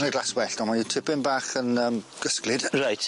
Yn y glaswellt ond mae tipyn bach yn yym gysglyd. Reit.